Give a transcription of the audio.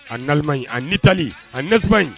En Allemagne en Italie en Espagne